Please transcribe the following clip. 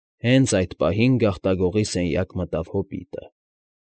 Հենց այդ պահին գաղտագողի սենյակ մտավ հոբիտը։